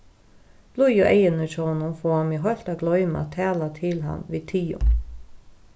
blíðu eyguni hjá honum fáa meg heilt at gloyma at tala til hann við tygum